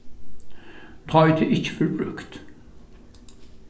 tá ið tað ikki verður brúkt